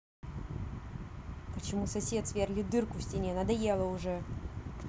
почему сосед сверлит дырку в стене надоело уже